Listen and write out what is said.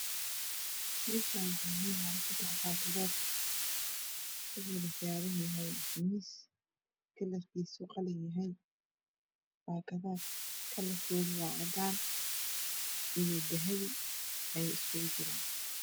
Mashan waxaa ino yalo sadax bakado waxown saran yahay mis kalar kisi qalin yahay bakadah kalar kode yahay cadan iyo dahabi